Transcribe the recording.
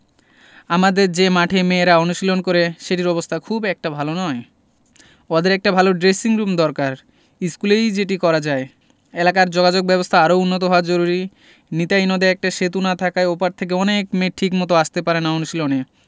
আমাদের যে মাঠে মেয়েরা অনুশীলন করে সেটির অবস্থা খুব একটা ভালো নয় ওদের একটা ভালো ড্রেসিংরুম দরকার স্কুলেই যেটি করা যায় এলাকার যোগাযোগব্যবস্থা আরও উন্নত হওয়া জরুরি নিতাই নদে একটা সেতু না থাকায় ওপার থেকে অনেক মেয়ে ঠিকমতো আসতে পারে না অনুশীলনে